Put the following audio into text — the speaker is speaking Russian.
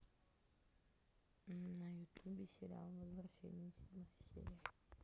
на ютубе сериал возвращение седьмая серия